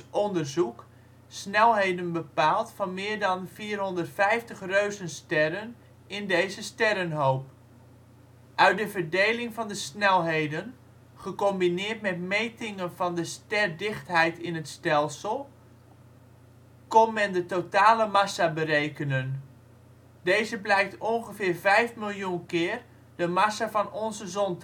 onderzoek snelheden bepaald van meer dan 450 reuzensterren in deze sterrenhoop. Uit de verdeling van de snelheden, gecombineerd met metingen van de sterdichtheid in het stelsel, kon men de totale massa berekenen. Deze blijkt ongeveer vijf miljoen keer de massa van onze zon